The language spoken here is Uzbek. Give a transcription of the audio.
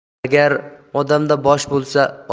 agar odamda bosh bo'lsa